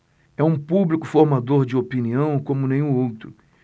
é um público formador de opinião como nenhum outro